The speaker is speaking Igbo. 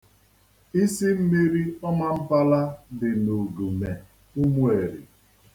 Isi mmiri Ọmambala dị n'Ugume Ụmụeri.